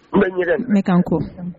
O yɛrɛ ne kan ko